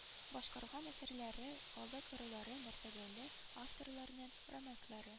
Башкарган әсәрләре халык ырлары мәртәбәле авторларның романслары